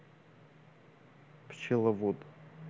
пчеловод